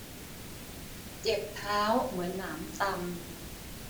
เจ็บเท้าเหมือนหนามตำ